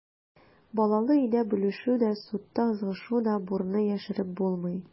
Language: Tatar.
Балалы өйдә бүлешү дә, судта ызгышу да, бурны яшереп булмый.